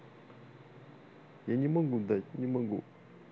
я не могу дать не могу